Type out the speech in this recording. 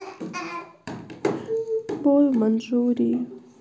бои в маньчжурии